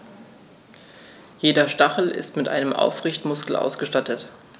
Jeder Stachel ist mit einem Aufrichtemuskel ausgestattet.